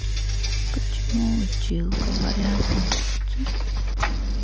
почему училка болят мышцы